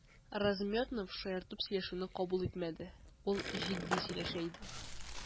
Размётнов шаяртып сөйләшүне кабул итмәде, ул җитди сөйләшә иде.